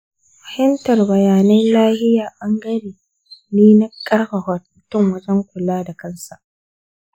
fahimtar bayanan lafiya wani ɓangare ne na ƙarfafa mutum wajen kula da kansa.